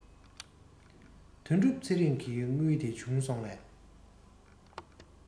དོན གྲུབ ཚེ རིང གི དངུལ དེ བྱུང སོང ངས